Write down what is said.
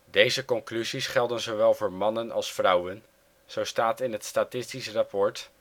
Deze conclusies gelden zowel voor mannen als vrouwen, zo staat in het statistisch rapport